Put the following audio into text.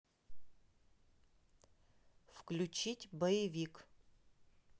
включить боевик